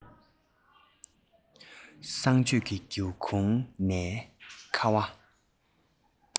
གསང སྤྱོད ཀྱི སྒེའུ ཁུང ནས ཁ བ